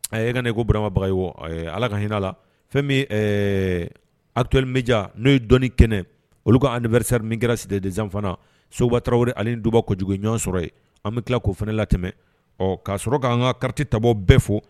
A e ka ne ko baramabagaw ala ka hinɛ la fɛn bɛ alito bɛja n'o ye dɔnniɔni kɛnɛ olu ka anvsari min kɛra si desan fana soba tarawele ani dubako kojugu ɲɔgɔn sɔrɔ yen an bɛ tila ko fana la tɛmɛ ɔ k ka sɔrɔ k' anan ka karatati tabɔ bɛɛ fo